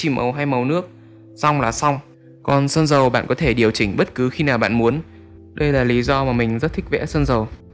điều này khác với chì màu hay màu nước xong là xong còn sơn dầu bạn có thể điều chỉnh bất cứ khi nào bạn muốn đây là lý do mà mình rất thích vẽ sơn dầu